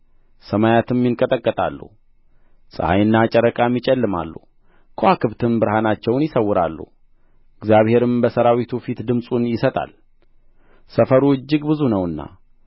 ሰማያትም ይንቀጠቀጣሉ ፀሐይና ጨረቃም ይጨልማሉ ከዋክብትም ብርሃናቸውን ይሰውራሉ እግዚአብሔርም በሠራዊቱ ፊት ድምፁን ይሰጣል ሰፈሩ እጅግ ብዙ ነውና